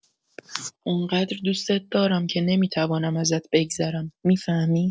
آن‌قدر دوستت دارم که نمی‌توانم ازت بگذرم، می‌فهمی؟